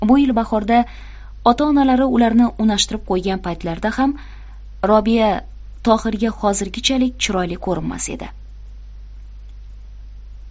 bu yil bahorda ota onalari ularni unashtirib qo'ygan paytlarida ham robiya tohirga hozirgichalik chiroyli ko'rinmas edi